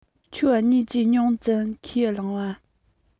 ཁྱོད གཉིས ཀྱིས ཉུང ཙམ ཁས བླངས པ